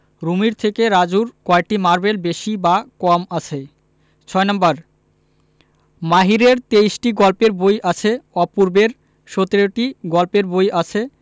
রুমির থেকে রাজুর কয়টি মারবেল বেশি বা কম আছে ৬ নাম্বার মাহিরের ২৩টি গল্পের বই আছে অপূর্বের ১৭টি গল্পের বই আছে